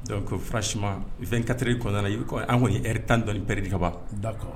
Don kosi fɛn katari kɔnɔna na i an kɔni hri tan dɔnni bereereri kababa da kan